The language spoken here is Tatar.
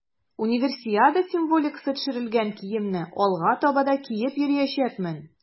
Универсиада символикасы төшерелгән киемне алга таба да киеп йөриячәкмен.